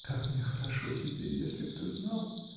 Как мне хорошо теперь, если б ты знал!